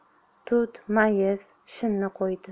tut mayiz shinni qo'ydi